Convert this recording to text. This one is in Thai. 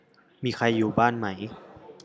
มีใครอยู่บ้านไหม